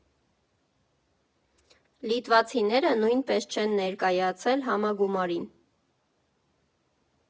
Լիտվացիները նույնպես չեն ներկայացել համագումարին։